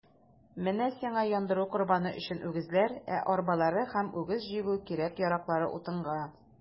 Менә сиңа яндыру корбаны өчен үгезләр, ә арбалары һәм үгез җигү кирәк-яраклары - утынга.